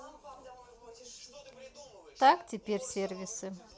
так теперь сервисы